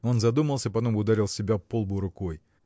Он задумался, потом ударил себя по лбу рукой.